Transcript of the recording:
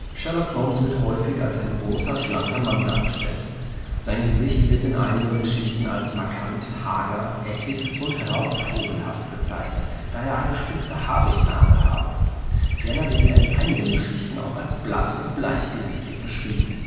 Sherlock Holmes wird häufig als ein großer (über sechs Fuß, etwa 1,83 Meter), schlanker Mann dargestellt. Sein Gesicht wird in einigen Geschichten als markant, hager, eckig und „ raubvogelhaft “bezeichnet, da er eine spitze Habichtsnase habe. Ferner wird er in einigen Geschichten auch als blass - und bleichgesichtig beschrieben